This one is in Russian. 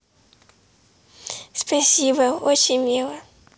спасибо очень мило